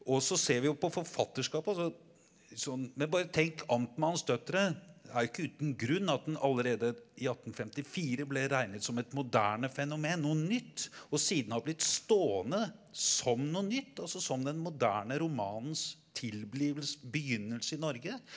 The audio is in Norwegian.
og så ser vi jo på forfatterskapet altså sånn men bare tenk Amtmannens Døtre er jo ikke uten grunn at den allerede i 1854 ble regnet som et moderne fenomen noe nytt og siden har blitt stående som noe nytt, altså som den moderne romanens begynnelse i Norge.